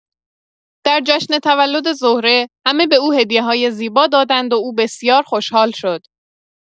در جشن تولد زهره، همه به او هدیه‌های زیبا دادند و او بسیار خوشحال شد.